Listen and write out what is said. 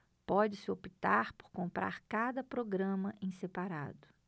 pode-se optar por comprar cada programa em separado